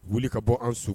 Wuli ka bɔ an so